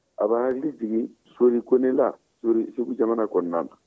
a bɛ an hakili jigin sori kone la segujamana kɔnɔna na